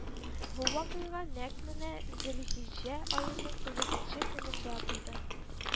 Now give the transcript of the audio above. Бу вакыйга нәкъ менә Зөлхиҗҗә аеның тугызынчы көнендә булды